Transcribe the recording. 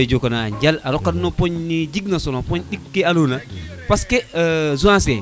in way jokana a njal o rokan no poñ ne jeg na solo poñ ɗik ke ando na parce Zancier